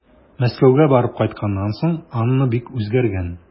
Мәскәүгә барып кайтканнан соң Анна бик үзгәргән.